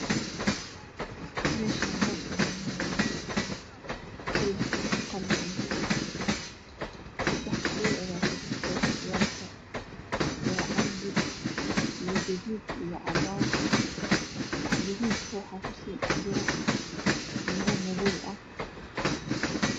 Meshan wax ayaa nooyalla kalarkisu qalin yahay waxaa ku jira cambo gaduuda iyo miro madow ah